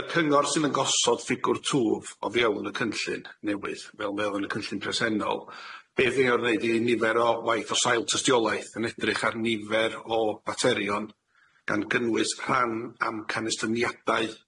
Y cyngor sydd yn gosod ffigwr twf o fewn y cynllun newydd fel fel ddew yn y cynllun presennol be' fydd e'n wneud i nifer o waith o sail tystiolaeth yn edrych ar nifer o baterion gan gynnwys rhan am canestyniadaeth